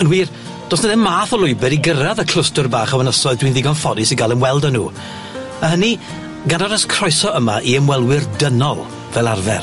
Yn wir, do's 'na ddim math o lwybr i gyrraedd y clwstwr bach o Ynysoedd dwi'n ddigon ffodus i ga'l ymweld â n'w, a hynny, gadarys croeso yma i ymwelwyr dynol, fel arfer.